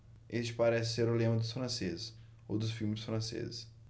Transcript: este parece ser o lema dos franceses ou dos filmes franceses